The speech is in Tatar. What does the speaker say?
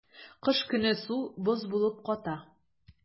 Кыш көне су боз булып ката.